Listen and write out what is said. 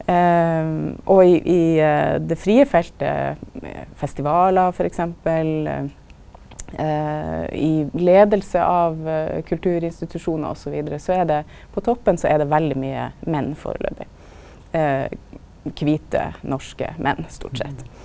og i i det frie feltet, festivalar for eksempel, i leiing av kulturinstitusjonar også vidare så er det på toppen så er det veldig mykje menn foreløpig kvite norske menn stort sett.